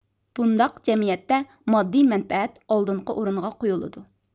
بۇنداق جەمئىيەتتە ماددىي مەنپەئەت ئالدىنقى ئورۇنغا قويۇلىدۇ